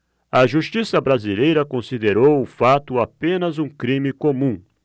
a justiça brasileira considerou o fato apenas um crime comum